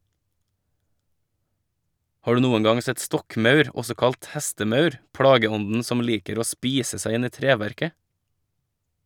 Har du noen gang sett stokkmaur, også kalt hestemaur, plageånden som liker å spise seg inn i treverket?